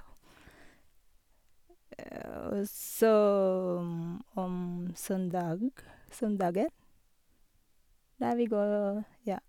Og så om om søndag søndagen, da vi gå, ja.